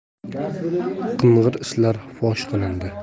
qing'ir ishlar fosh qilindi